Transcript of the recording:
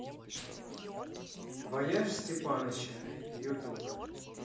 вояж степаныча ютуб